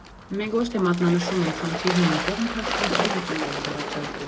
Մենք ոչ թե մատնանշում ենք խնդիրն ու մի կողմ քաշվում, այլ լուծումներ ենք առաջարկում։